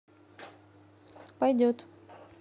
пойдет